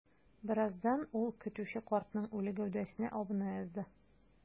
Бераздан ул көтүче картның үле гәүдәсенә абына язды.